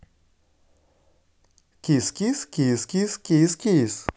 кис кис кис кис кис кис